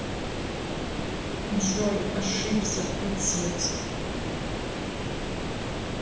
джой ошибся отец